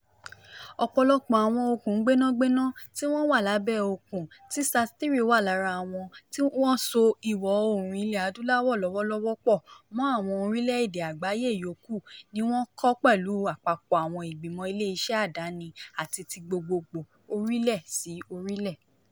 Ọ̀pọ̀lọpọ̀ àwọn okùn gbénágbéná tí wọ́n wà lábẹ́ òkun, tí SAT-3 wà lára wọn tí wọ́n so Ìwọ̀ Oòrùn Ilẹ̀ Adúláwò lọ́wọ́lọ́wọ́ pọ̀ mọ́ àwọn orílẹ́ èdè àgbáyé yòókù, ni wọ́n kọ́ pẹ̀lú àpapọ̀ àwọn ìgbìmọ̀ ilé iṣẹ́ àdáni àti ti gbogbogbò (orílẹ̀-sí-orílẹ̀).